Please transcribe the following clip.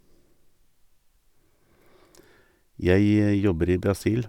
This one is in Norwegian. Jeg jobber i Brasil.